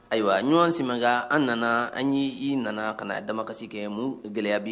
Ayiwa ɲɔgɔn si kan an nana an y i nana ka na a dama kasi kɛ mu gɛlɛya bi